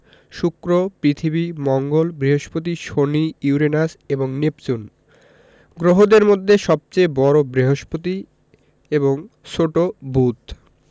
শুক্র পৃথিবী মঙ্গল বৃহস্পতি শনি ইউরেনাস এবং নেপচুন গ্রহদের মধ্যে সবচেয়ে বড় বৃহস্পতি এবং ছোট বুধ